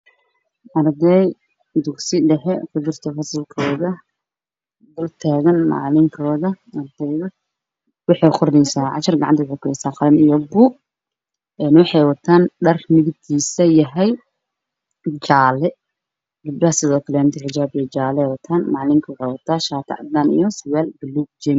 Waa fasal waa fadhiyo ardo waxay wataan dhar jaalo ah waxa dhex taagan macalin